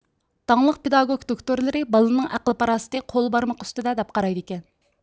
داڭلىق پېداگوك دوكتورلىرى بالىلارنىڭ ئەقىل پاراستى قول بارمىقى ئۈستىدە دەپ قارايدىكەن